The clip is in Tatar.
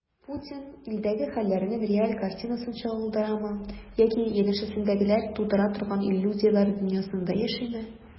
Путин илдәге хәлләрнең реаль картинасын чагылдырамы яки янәшәсендәгеләр тудыра торган иллюзияләр дөньясында яшиме?